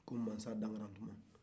ko masa dankarantuma